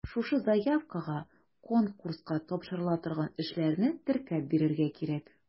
Шушы заявкага конкурска тапшырыла торган эшләрне теркәп бирергә кирәк.